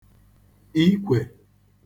ikwè